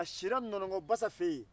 a sira nɔnɔnkɔ basa fɛ yen